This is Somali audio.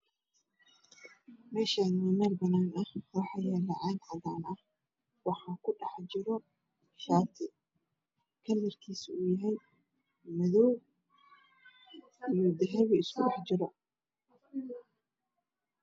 Meeshaan waa meel banaan waxaa yaalo caag cadaan ah waxa ku dhex jiro shaati kalarkiisu uu yahay Madow iyo dahabi isku dhex jiro.